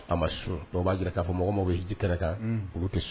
A ma sun baba b'a jira k'a fɔ mɔgɔ mako bɛ ji kɛra kan olu tɛ sun